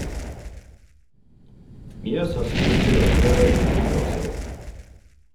Mjøsas fryktede sjøorm dukker også opp.